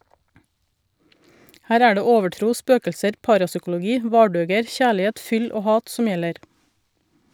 Her er det overtro, spøkelser, parapsykologi, vardøger, kjærlighet, fyll og hat som gjelder.